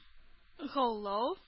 Һаулау